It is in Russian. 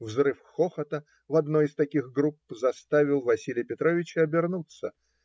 Взрыв хохота в одной из таких групп заставил Василия Петровича обернуться.